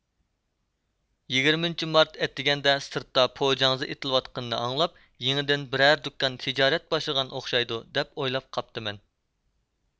يىگىرمىنچى مارت ئەتىگەندە سىرتتا پوجاڭزا ئېتىۋاتقىنىنى ئاڭلاپ يېڭىدىن بىرەر دۇكان تىجارەت باشلىغان ئوخشايدۇ دەپ ئويلاپ قاپتىمەن